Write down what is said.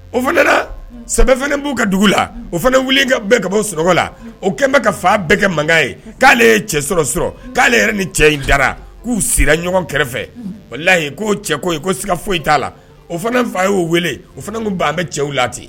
O fanabɛ fana b'u ka dugu la o fana wele ka bɛɛ ka bɔ s suɔgɔ la o kɛlen ka fa bɛɛ kɛ mankan ye k'ale ye cɛ sɔrɔ k'ale yɛrɛ ni cɛ in jara k'u sira ɲɔgɔn kɛrɛfɛ layi k'o cɛ' ye ko si foyi t'a la o fana n fa y' weele o fana tun an bɛ cɛw la ten